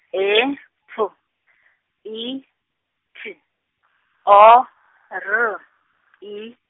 E, P, I, T, O, R, I.